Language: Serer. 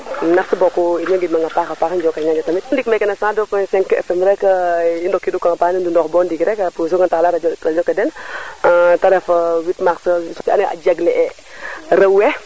merci beaucoup in way ngid mang a paaxa paax njoko njal tamit i ndik meke no 102 point 5 FM rek i ndokiid u kama paana le Ndoundokh bo ndiik rek te ref 8 Mars bes fe ando naye a jagle e rew we